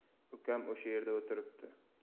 ukam o'sha yerda o'tiribdi